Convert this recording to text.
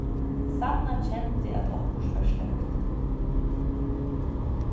sanna kendi at okkurt var sløkt